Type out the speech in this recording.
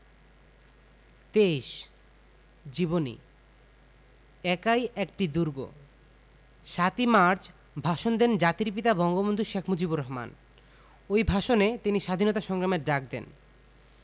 ২৩ জীবনী একাই একটি দুর্গ ৭ই মার্চ ভাষণ দেন জাতির পিতা বঙ্গবন্ধু শেখ মুজিবুর রহমান ওই ভাষণে তিনি স্বাধীনতা সংগ্রামের ডাক দেন